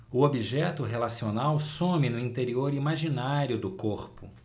o objeto relacional some no interior imaginário do corpo